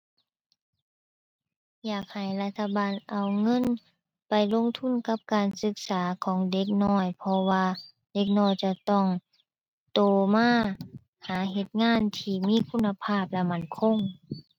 อยากให้รัฐบาลเอาเงินไปลงทุนกับการศึกษาของเด็กน้อย เพราะว่าเด็กน้อยจะต้องโตมา หาเฮ็ดงานที่มีคุณภาพและมั่นคง